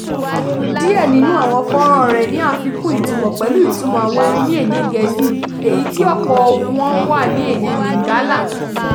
Díẹ̀ nínú àwọn fọ́nràn rẹ̀ ní àfikún ìtumọ̀ pẹ̀lú ìtumọ̀ àwọn orin ní èdè Gẹ̀ẹ́sì èyí tí ọ̀pọ̀ wọn wà ní èdè Lingala.